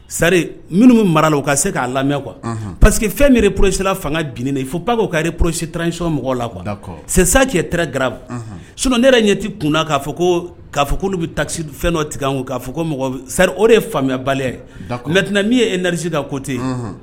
Sari minnu bɛ mara la u ka se k'a lamɛn kuwa paseke que fɛn bɛre poroosila fanga ginin ye fo pa ka psitarancɔn mɔgɔw la cɛ tɛ ga sun ne ɲɛti kunna'a ko k'a fɔ oluolu bɛ tasi fɛn dɔ tigɛkan'a fɔ sari o de ye faamuyayaba yetina min ye e nasi ka ko ten yen